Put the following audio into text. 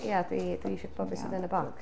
Ia, dwi dwi isio gwbod be sydd yn y bocs.